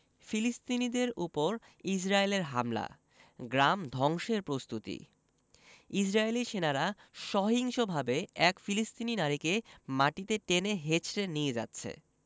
ফিলিস্তিনিদের ওপর ইসরাইলের হামলা গ্রাম ধ্বংসের প্রস্তুতি ইসরাইলী সেনারা সহিংসভাবে এক ফিলিস্তিনি নারীকে মাটিতে টেনে হেঁচড়ে নিয়ে যাচ্ছে